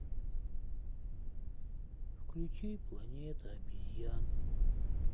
включи планета обезьян